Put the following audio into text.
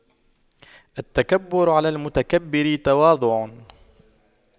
التكبر على المتكبر تواضع